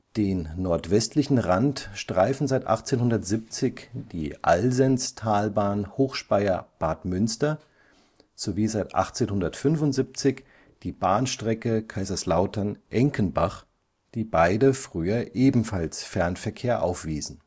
Den nordwestlichen Rand streifen seit 1870 die Alsenztalbahn Hochspeyer – Bad Münster sowie seit 1875 die Bahnstrecke Kaiserslautern – Enkenbach, die beide früher ebenfalls Fernverkehr aufwiesen